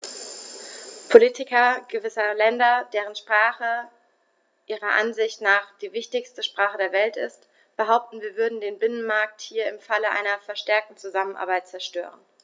Politiker gewisser Länder, deren Sprache ihrer Ansicht nach die wichtigste Sprache der Welt ist, behaupten, wir würden den Binnenmarkt hier im Falle einer verstärkten Zusammenarbeit zerstören.